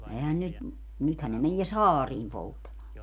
eihän nyt nythän ne menee saariin polttamaan